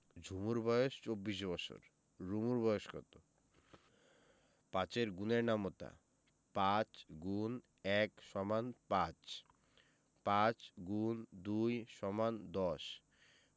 ঝুমুর বয়স ২৪ বছর রুমুর বয়স কত ৫ এর গুণের নামতা ৫× ১ = ৫ ৫× ২ = ১০